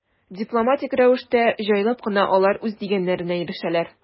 Дипломатик рәвештә, җайлап кына алар үз дигәннәренә ирешәләр.